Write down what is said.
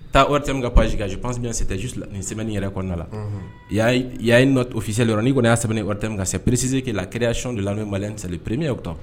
Taatɛ min ka pazsi pasite ni sɛbɛnni yɛrɛ kɔnɔna la yayifisi la n nii kɔni'a sɛbɛn nire ka peresi kelenreyasiɔn de la n mali seli pereme yew ta